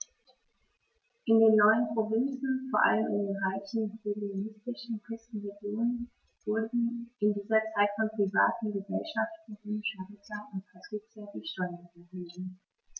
In den neuen Provinzen, vor allem in den reichen hellenistischen Küstenregionen, wurden in dieser Zeit von privaten „Gesellschaften“ römischer Ritter und Patrizier die Steuern erhoben.